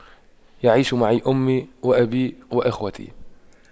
يعيش معي أمي وأبي وأخوتي